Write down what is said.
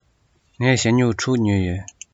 ངས ཞྭ སྨྱུག དྲུག ཉོས ཡོད